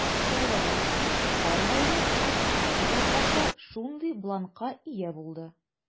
Чаллыда һәр гаилә агитаторлар аша шундый бланкка ия булды.